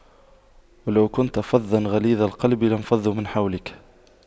وَلَو كُنتَ فَظًّا غَلِيظَ القَلبِ لاَنفَضُّواْ مِن حَولِكَ